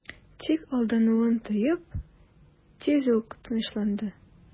Тик алдануын тоеп, тиз үк тынычланды...